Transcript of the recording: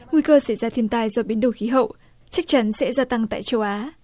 nguy cơ xảy ra thiên tai do biến đổi khí hậu chắc chắn sẽ gia tăng tại châu á